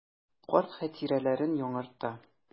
Карт хатирәләрен яңарта.